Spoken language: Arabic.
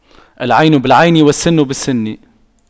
العين بالعين والسن بالسن